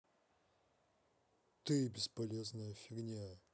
ты бесполезная фигня